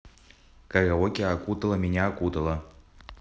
караоке окутала меня окутала